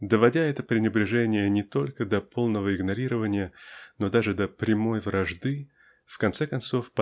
--доводя это пренебрежение не только до полного игнорирования но даже до прямой вражды --в конце концов